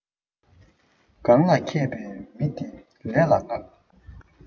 གང ལ མཁས པའི མི དེ ལས ལ མངགས